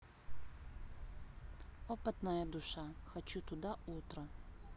опытная душа хочу туда утро